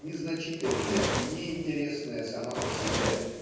Незначительная и неинтересная сама по себе